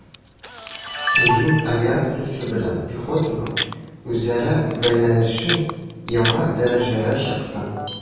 Һөҗүм авиациясе белән пехотаның үзара бәйләнеше яңа дәрәҗәгә чыкты.